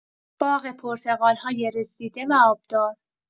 باغ پرتقال‌های رسیده و آبدار